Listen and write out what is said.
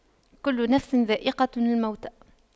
كُلُّ نَفسٍ ذَائِقَةُ المَوتِ